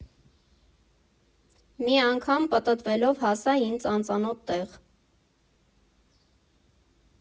Մի անգամ պտտվելով հասա ինձ անծանոթ տեղ։